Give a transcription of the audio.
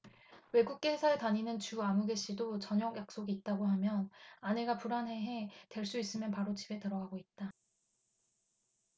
외국계 회사에 다니는 주아무개씨도 저녁 약속이 있다고 하면 아내가 불안해해 될 수 있으면 바로 집에 들어가고 있다